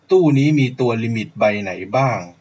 ตู้นี้มีตัวลิมิตใบไหนบ้าง